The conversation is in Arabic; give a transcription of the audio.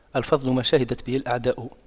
الفضل ما شهدت به الأعداء